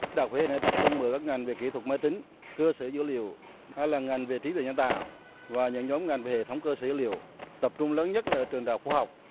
đại học huế đã tập trung ở các ngành về kỹ thuật máy tính cơ sở dữ liệu hai là ngành về trí tuệ nhân tạo và những nhóm ngành hệ thống cơ sở dữ liệu tập trung lớn nhất là trường đại học khoa học